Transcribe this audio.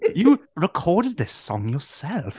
You recorded this song yourself!